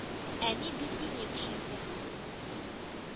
Әни бик дини кеше иде